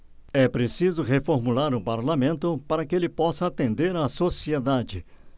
é preciso reformular o parlamento para que ele possa atender a sociedade